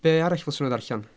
Be arall ddylsa nhw ddarllen?